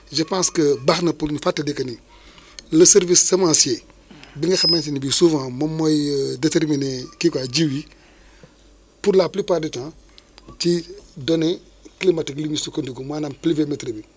je pense que baax na pour ñu fàttali que ni le service semencier bi nga xamante ni bi souvent moom mooy déterminer kii quoi jiw yi pour la plupart du temps ci données climatiques la ñuy sukkandiku maanaam pluviométrie bi